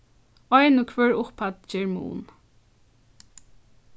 ein og hvør upphædd ger mun